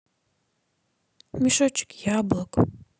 мешочек яблок